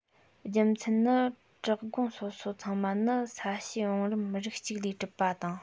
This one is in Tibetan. རྒྱུ མཚན ནི བྲག སྒང སོ སོ ཚང མ ནི ས གཤིས བང རིམ རིགས གཅིག གིས གྲུབ པ དང